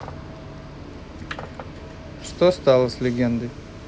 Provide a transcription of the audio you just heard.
что стало с легендой